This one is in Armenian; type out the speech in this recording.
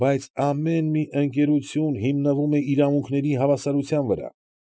Բայց ամեն մի ընկերություն հիմնվում է իրավունքների հավասարության վրա։